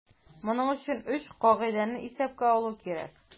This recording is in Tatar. Моның өчен өч кагыйдәне исәпкә алу кирәк.